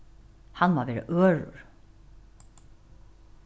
hann má vera ørur